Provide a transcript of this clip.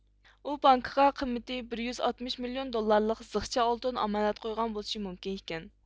ئۇ بانكىغا قىممىتى بىر يۈز ئاتمىش مىليون دوللارلىق زىخچە ئالتۇن ئامانەت قويغان بولۇشى مۇمكىن ئىكەن